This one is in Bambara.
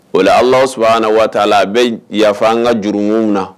O ala s na waati la a bɛ yafa an ka juruurunum na